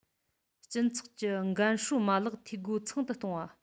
སྤྱི ཚོགས ཀྱི འགན སྲུང མ ལག འཐུས སྒོ ཚང དུ གཏོང བ